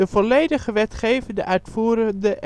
volledige wetgevende, uitvoerende